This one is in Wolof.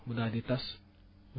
grais mu daal di tas